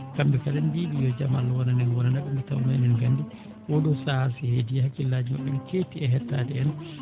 kamɓe kala en mbiyii ɓe yo jam Allah wonan en wonana ɓe nde tawnoo enen nganndi oo ɗoo sahaa so heedi hakkillaaji maɓɓe no keetti e hettaade en